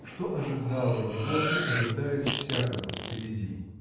что ожидало его и ожидает всякого впереди.